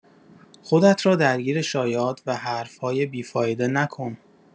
خودت را درگیر شایعات و حرف‌های بی‌فایده نکن.